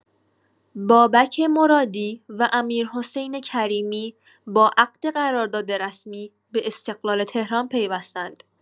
بابک مرادی و امیرحسین کریمی با عقد قرارداد رسمی به استقلال تهران پیوستند.